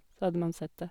Så hadde man sett det.